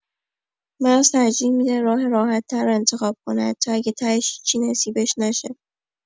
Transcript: مغز ترجیح می‌ده راه راحت‌تر رو انتخاب کنه، حتی اگه تهش هیچی نصیبش نشه.